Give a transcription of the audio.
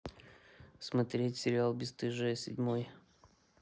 смотреть сериал бесстыжие седьмой